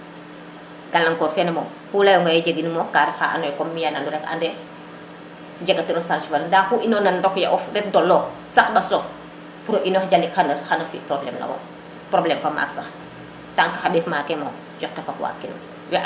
galang kor fene moom oxu leyonga ye jeginumo ka ref xa ando naye comme miya nandu rek ande jegatiro charge fa leng nda xu unor na ndoq yo of ret doloq sank mbaslof pour o inox jalik xana fi probleme na wo probleme fa maak sax tank xa mbeef maake moom yoqe fop waakino